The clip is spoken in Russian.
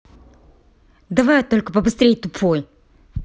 давай только побыстрей тупой